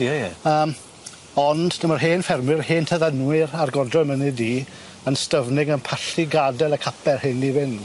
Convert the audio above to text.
Ie ie. Yym ond dyma'r hen ffermwyr hen tyddynwyr a'r godre'r Mynydd Du yn styfnig yn pallu gad'el y capel hyn i fynd.